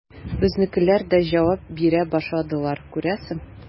Безнекеләр дә җавап бирә башладылар, күрәсең.